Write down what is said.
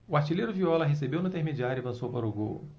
o artilheiro viola recebeu na intermediária e avançou para o gol